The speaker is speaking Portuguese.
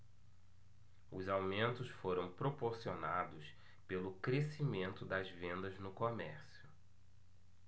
os aumentos foram proporcionados pelo crescimento das vendas no comércio